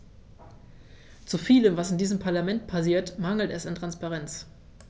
Zu vielem, was in diesem Parlament passiert, mangelt es an Transparenz.